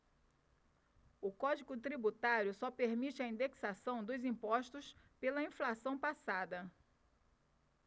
o código tributário só permite a indexação dos impostos pela inflação passada